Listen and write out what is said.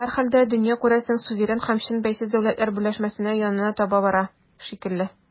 Һәрхәлдә, дөнья, күрәсең, суверен һәм чын бәйсез дәүләтләр берләшмәсенә янына таба бара шикелле.